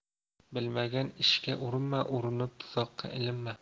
bilmagan ishga urinma urinib tuzoqqa ilinma